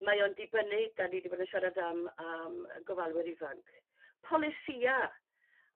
Mae o'n dibynnu dan ni 'di bod yn siarad am am yrr gofalwyr ifanc polisïa'